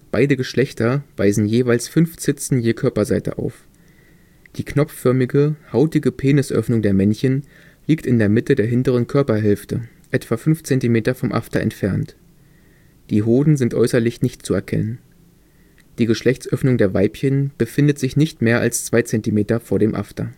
Beide Geschlechter weisen jeweils fünf Zitzen je Körperseite auf. Die knopfförmige, hautige Penisöffnung der Männchen liegt in der Mitte der hinteren Körperhälfte, etwa fünf Zentimeter vom After entfernt. Die Hoden sind äußerlich nicht zu erkennen. Die Geschlechtsöffnung der Weibchen befindet sich nicht mehr als zwei Zentimeter vor dem After